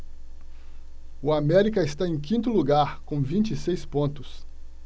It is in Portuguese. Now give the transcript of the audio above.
o américa está em quinto lugar com vinte e seis pontos